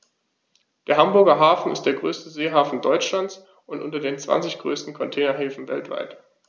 Der Hamburger Hafen ist der größte Seehafen Deutschlands und unter den zwanzig größten Containerhäfen weltweit.